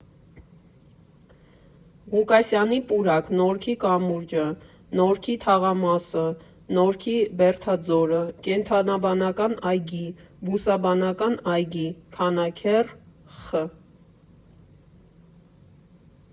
Ղուկասյանի պուրակ ֊ Նորքի կամուրջը ֊ Նորքի թաղամասը ֊ Նորքի բերդաձորը ֊ Կենդանաբանական այգի ֊ Բուսաբանական այգի ֊ Քանաքեռ ֊ Խ.